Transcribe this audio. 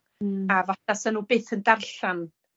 Hmm. ...a fatha 'sa nw byth yn darllan